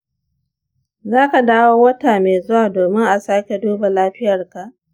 za ka dawo wata mai zuwa domin a sake duba lafiyarka?